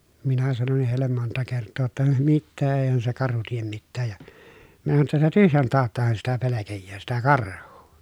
minä sanoinkin heille monta kertaa jotta mitä eihän se karhu tee mitään ja minä sanoin jotta sitä tyhjän tauttahan sitä pelkää sitä karhua